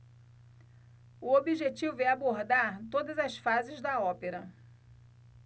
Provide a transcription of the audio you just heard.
o objetivo é abordar todas as fases da ópera